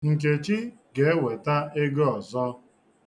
Nkechi ga-eweta ego ọzọ.